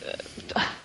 yy